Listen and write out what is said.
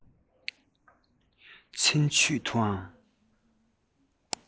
ཚུན ཆད དུའང